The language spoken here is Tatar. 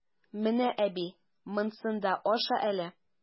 Менә, әби, монсын да аша әле!